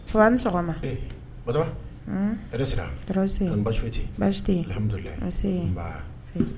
Nfa a' ni sɔgɔma. E! Batɔma. Hum. Hɛrɛsira? Baasi tɛ yen. Kɔri baasi fosi tɛ yen. Baasi tɛ yen. Alhamdoulilahi Nse. Nbaa.